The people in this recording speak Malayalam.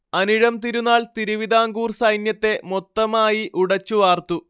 അനിഴം തിരുനാൾ തിരുവിതാംകൂർ സൈന്യത്തെ മൊത്തമായി ഉടച്ചു വാർത്തു